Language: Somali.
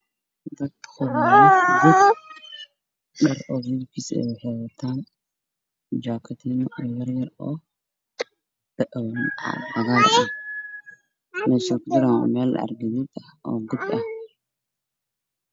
Waa dad niman ah oo ku jira ged waxayna wataan kurtidood shaati cagaari madow isku jira oo yar waxayna ku dhex jiraan godweyn oo geduudan